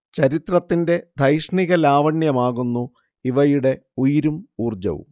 ചരിത്രത്തിന്റെ ധൈഷണിക ലാവണ്യമാകുന്നു ഇവയുടെ ഉയിരും ഊർജ്ജവും